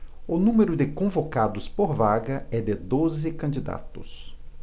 o número de convocados por vaga é de doze candidatos